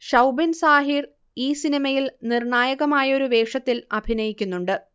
ഷൗബിൻ സാഹിർ ഈ സിനിമയിൽ നിർണായകമായൊരു വേഷത്തിൽ അഭിനയിക്കുന്നുണ്ട്